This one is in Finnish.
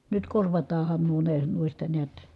nyt korvataan nuo ne noista näet